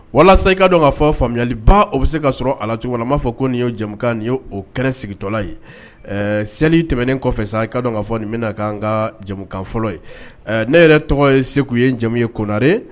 Walasa i ka dɔn kaa fɔ faamuyali, o bɛ se ka sɔrɔ a la cogo min na, an b'a fɔ ko nin y'o jamukan nin y' o kɛnɛ sigitɔla ye. Ɛ seli tɛmɛnen kɔfɛ, ka fɔ nin bɛna ka kan ka jamukan fɔlɔ ye, ne yɛrɛ tɔgɔ ye Seku ye, n jamu ye konare